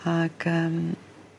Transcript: Ag yym